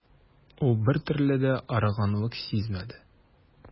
Ул бертөрле дә арыганлык сизмәде.